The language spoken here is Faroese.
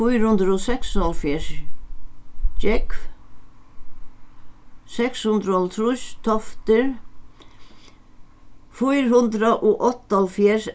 fýra hundrað og seksoghálvfjerðs gjógv seks hundrað og hálvtrýss toftir fýra hundrað og áttaoghálvfjerðs